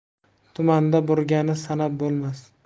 tumanda burgani sanab bo'lmas